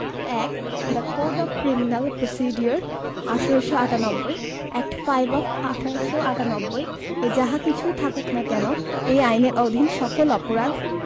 ১ the code of criminal procedure ১৮৯৮ act five of ১৮৯৮ এ যাহা কিছুই থাকুক না কেন এই আইনের অধীন সকল অপরাধ